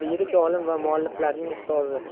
yirik olim va mualliflarning ustozi